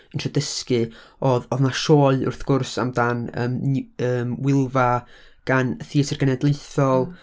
yn trio dysgu. Oedd, oedd 'na sioe, wrth gwrs, amdan, yym, n- yym 'Wylfa' gan Theatr Genedlaethol.